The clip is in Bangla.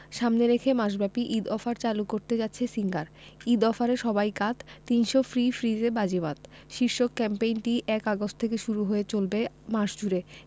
সামনে রেখে মাসব্যাপী ঈদ অফার চালু করতে যাচ্ছে সিঙ্গার ঈদ অফারে সবাই কাত ৩০০ ফ্রি ফ্রিজে বাজিমাত শীর্ষক ক্যাম্পেইনটি ১ আগস্ট থেকে শুরু হয়ে চলবে মাস জুড়ে